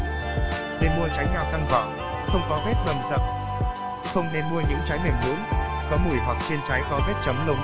nên mua trái nho căng vỏ không có vết bầm dập không nên mua những trái mềm nhũn có mùi hoặc trên trái có vết chấm lốm đốm